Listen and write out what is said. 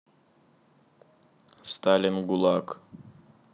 сталин гулаг